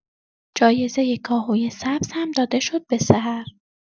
جایزۀ کاهوی سبز هم داده شد به سحر.